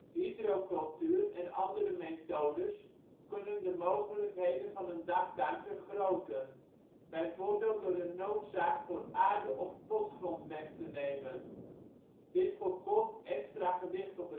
Hydrocultuur en andere methodes kunnen de mogelijkheden van een daktuin vergroten, bijvoorbeeld door de noodzaak voor aarde of potgrond weg te nemen. Dit voorkomt extra gewicht op